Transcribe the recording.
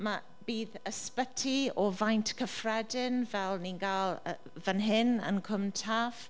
Ma... bydd ysbyty o faint cyffredin fel ni'n gael yy fan hyn yn Cwm Taf.